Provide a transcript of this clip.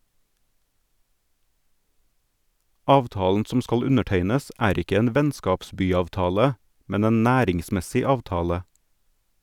Avtalen som skal undertegnes er ikke en vennskapsbyavtale, men en næringsmessig avtale.